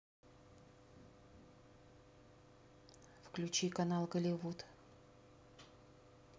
включи канал голливуд